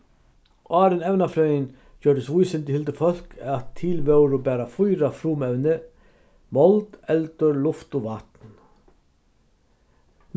áðrenn evnafrøðin gjørdist vísindi hildu fólk at til vóru bara fýra frumevni mold eldur luft og vatn